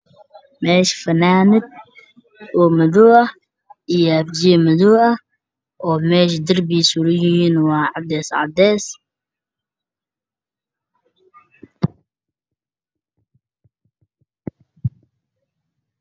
Meeshaan waxaa yaalo fanaanad madow iyo surwaal haaf jay ah madow ah ,darbiga ay suran yihiin waa cadeys.